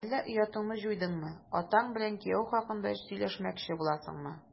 Әллә оятыңны җуйдыңмы, атаң белән кияү хакында сөйләшмәкче буласыңмы? ..